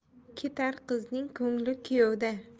ketar qizning ko'ngli kuyovda